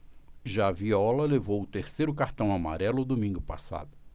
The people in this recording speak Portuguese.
já viola levou o terceiro cartão amarelo domingo passado